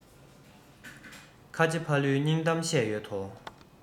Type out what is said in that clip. ཁ ཆེ ཕ ལུའི སྙིང གཏམ བཤད ཡོད དོ